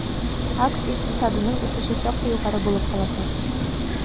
АКШ икътисадының үсеше шактый югары булып калачак.